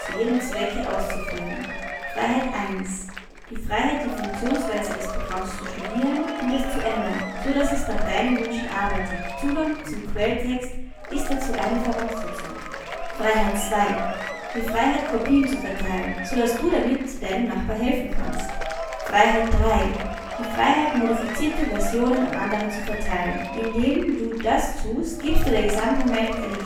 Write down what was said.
jedem Zwecke auszuführen. Freiheit 1: Die Freiheit, die Funktionsweise des Programms zu studieren, und es zu ändern, so dass es nach deinen Wünschen arbeitet. Zugang zum Quelltext ist dazu eine Voraussetzung. Freiheit 2: Die Freiheit, Kopien zu verteilen, so dass du somit deinem Nachbarn helfen kannst. Freiheit 3: Die Freiheit, modifizierte Versionen an andere zu verteilen. Indem du das tust, gibst du der gesamten Gemeinschaft eine Gelegenheit